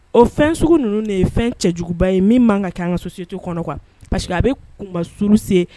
O fɛn sugu ninnu de ye fɛn cɛjuguba ye min kan ka kɛ an ka so setu kɔnɔ parce a bɛ kunba suru se